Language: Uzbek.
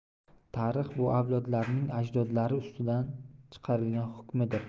tarix bu avlodlarning ajdodlari ustidan chiqargan hukmidir